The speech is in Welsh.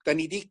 'dan ni 'di